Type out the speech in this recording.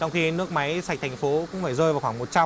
trong khi nước máy sạch thành phố cũng phải rơi vào khoảng một trăm